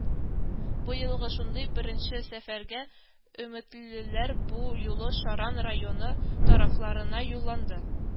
Быелгы шундый беренче сәфәргә өметлеләр бу юлы Шаран районы тарафларына юлланды